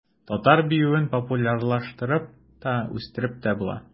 Татар биюен популярлаштырып та, үстереп тә була.